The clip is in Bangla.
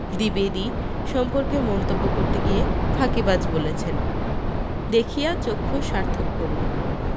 দ্বিবেদী সম্পর্কে মন্তব্য করতে গিয়ে ফাঁকিবাজ বলেছেন দেখিয়া চক্ষূ সার্থক করুণ